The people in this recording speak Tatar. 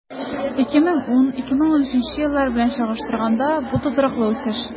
2010-2013 еллар белән чагыштырганда, бу тотрыклы үсеш.